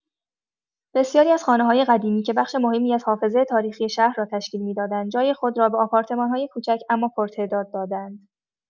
بسیاری از خانه‌های قدیمی که بخش مهمی از حافظه تاریخی شهر را تشکیل می‌دادند جای خود را به آپارتمان‌های کوچک اما پرتعداد داده‌اند.